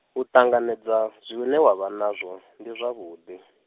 u ṱanganedza, zwine wavha nazwo, ndi zwavhuḓi.